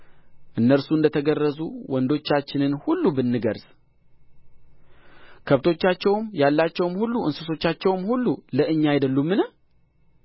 እነርሱ እንደ ተገረዙ ወንዶቻችንን ሁሉ ብንገርዝ ከብቶቻቸውም ያላቸውም ሁሉ እንስሶቻቸውም ሁሉ ለእኛ አይደሉምን